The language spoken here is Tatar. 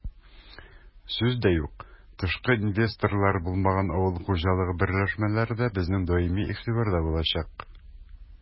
Сүз дә юк, тышкы инвесторлары булмаган авыл хуҗалыгы берләшмәләре дә безнең даими игътибарда булачак.